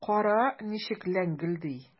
Кара, ничек ләңгелди!